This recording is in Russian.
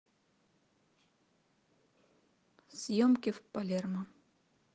съемки в палермо